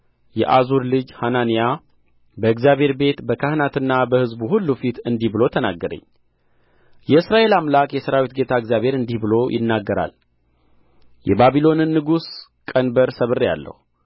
የዓዙር ልጅ ሐናንያ በእግዚአብሔር ቤት በካህናትና በሕዝብ ሁሉ ፊት እንዲህ ብሎ ተናገረኝ የእስራኤል አምላክ የሠራዊት ጌታ እግዚአብሔር እንዲህ ብሎ ይናገራል የባቢሎንን ንጉሥ ቀንበር ሰብሬአለሁ